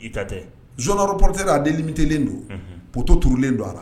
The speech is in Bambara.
I ta tɛ zone aeroportière a delimitée len poteau tururulen don a la